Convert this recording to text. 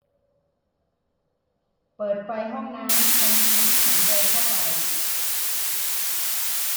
เปิดไฟห้องน้ำทันทีที่ฉันเดินเข้าไป